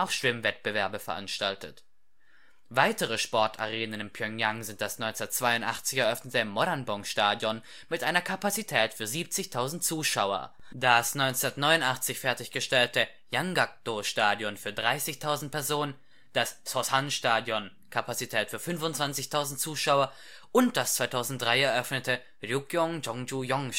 Schwimmwettbewerbe veranstaltet. Weitere Sportarenen in Pjöngjang sind das 1982 eröffnete Moranbong-Stadion mit einer Kapazität für 70.000 Zuschauer, das 1989 fertiggestellte Yanggakdo-Stadion für 30.000 Personen, das Seosan-Stadion (Kapazität für 25.000 Zuschauer) und das 2003 eröffnete Ryugyong-Jong-Ju-Yong-Stadion